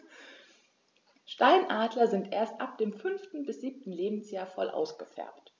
Steinadler sind erst ab dem 5. bis 7. Lebensjahr voll ausgefärbt.